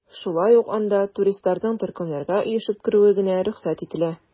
Шулай ук анда туристларның төркемнәргә оешып керүе генә рөхсәт ителә.